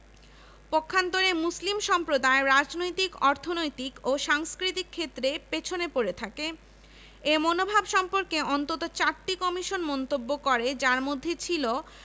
তখন মুসলিম সম্প্রদায়ের কয়েকজন বিশিষ্ট নেতা ১৯১২ সালের ৩১ শে জানুয়ারি তাঁর সঙ্গে সাক্ষাৎ করেন এঁদের মধ্যে ছিলেন নওয়াব স্যার সলিমুল্লাহ